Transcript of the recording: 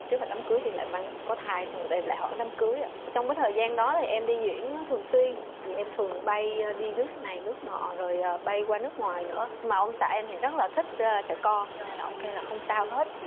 kế hoạch đám cưới thì lại mang có thai xong là tụi em lại hoãn đám cưới ạ trong cái thời gian đó thì em đi diễn á thường xuyên thì em thường bay đi nước này nước nọ rồi bay qua nước ngoài nữa mà ông xã em thì rất là thích trẻ con nên là ổng kêu là không sao hết